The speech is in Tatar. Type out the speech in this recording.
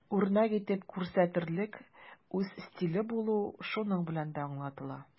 Үрнәк итеп күрсәтерлек үз стиле булу шуның белән дә аңлатыла.